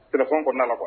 Sɛnɛfɔ kɔnɔna kuwa